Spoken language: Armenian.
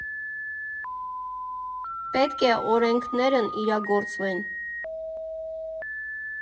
Պետք է օրենքներն իրագործվեն։